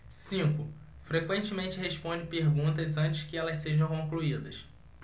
cinco frequentemente responde perguntas antes que elas sejam concluídas